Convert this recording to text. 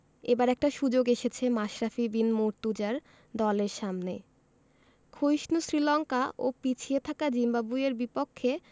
এবার একটা সুযোগ এসেছে মাশরাফি বিন মুর্তজার দলের সামনে ক্ষয়িষ্ণু শ্রীলঙ্কা ও পিছিয়ে থাকা জিম্বাবুয়ের বিপক্ষে